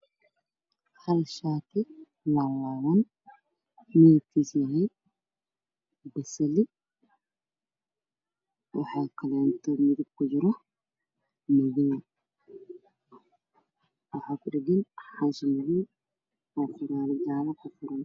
Hal shaati midabkiisa yahay basali oo laallaaban midabkiisa yahay basali, waxaa kaleekane midab ku jiro madow waxa ku dhagan xaansho madow aa finaano jaallo ku furan.